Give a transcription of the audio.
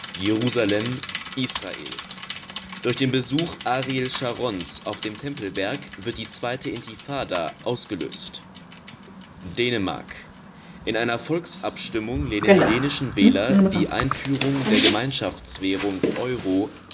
Jerusalem/Israel: Durch den Besuch Ariel Scharons auf dem Tempelberg wird die Zweite Intifada ausgelöst. Dänemark: In einer Volksabstimmung lehnen die dänischen Wähler die Einführung der Gemeinschaftswährung Euro